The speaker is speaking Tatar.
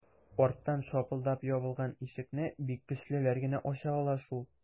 Арттан шапылдап ябылган ишекне бик көчлеләр генә ача ала шул...